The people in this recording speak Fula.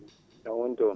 jam woni toon